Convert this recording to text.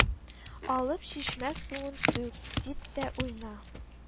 Алып чишмә суын түк, сип тә уйна